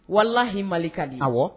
Walahi mali ka di aw wa